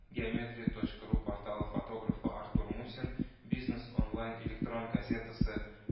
Геометрия точка ру порталы фотографы артур мусин, бизнес онлайн электрон газетасы